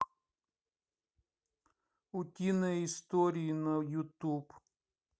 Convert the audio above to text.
утиные истории на ютуб